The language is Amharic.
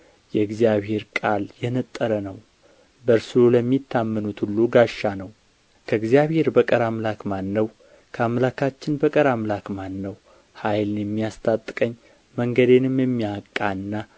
የእግዚአብሔር ቃል የነጠረ ነው በእርሱ ለሚታመኑት ሁሉ ጋሻ ነው ከእግዚአብሔር በቀር አምላክ ማን ነው ከአምላካችን በቀር አምላክ ማን ነው ኃይልን የሚያስታጥቀኝ መንገዴንም የሚያቃና